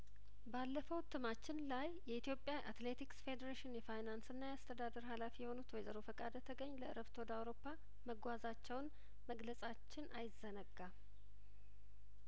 ባለፈው እትማችን ላይ የኢትዮጵያ አትሌቲክስ ፌዴሬሽን የፋይናንስና የአስተዳደር ሀላፊ የሆኑት ወይዘሮ ፍቃደ ተገኝ ለእረፍት ወደ አውሮፓ መጓዛቸውን መግለጻችን አይዘነጋም